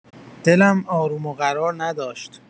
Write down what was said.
دلم آروم و قرار نداشت.